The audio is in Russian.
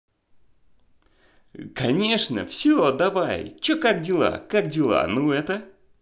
конечно все давай че как дела как дела ну это